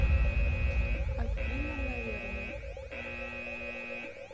афина наверное